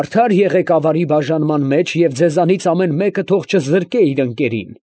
Արդար եղե՛ք ավարի բաժանման մեջ և ձեզանից ամեն մեկը թող չզրկե իր ընկերին։